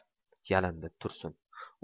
yalindi tursun